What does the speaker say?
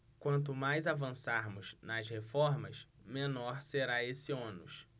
quanto mais avançarmos nas reformas menor será esse ônus